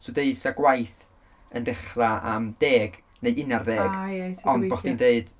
So deud 'sa gwaith yn dechrau am deg neu unarddeg... A ie... Ond bo' chdi'n deud...